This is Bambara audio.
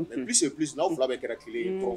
Bɛ anw tun' bɛ kɛra tile ye